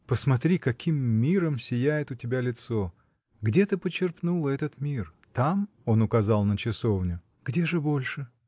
Посмотри, каким миром сияет у тебя лицо: где ты почерпнула этот мир? Там? Он указал на часовню. — Где же больше?